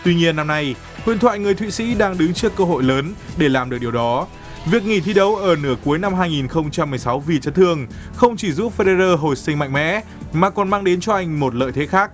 tuy nhiên năm nay huyền thoại người thụy sĩ đang đứng trước cơ hội lớn để làm được điều đó việc nghỉ thi đấu ở nửa cuối năm hai nghìn không trăm mười sáu vì chấn thương không chỉ giúp phe ra đơ hồi sinh mạnh mẽ mà còn mang đến cho anh một lợi thế khác